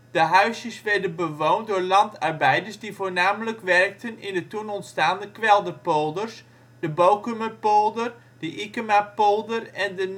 De huisjes werden bewoond door landarbeiders die voornamelijk werkten in de toen ontstane (kwelder) polders, de Bokumerpolder, de Ikemapolder en de